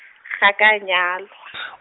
ga ka a nyalwa.